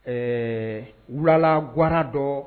Ɛɛ wulala gawara dɔ